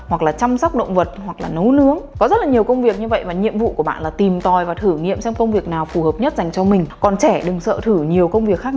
hoặc là chăm sóc động vật hoặc là nấu nướng có rất là nhiều công việc như vậy và nhiệm vụ của bạn là tìm tòi và thử nghiệm xem công việc nào phù hợp nhất dành cho mình còn trẻ đừng sợ thử nhiều công việc khác nhau